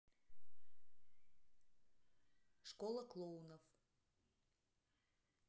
школа клоунов